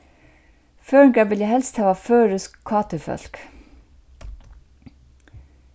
føroyingar vilja helst hava føroysk kt-fólk